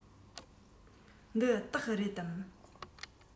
འདི སྟག རེད དམ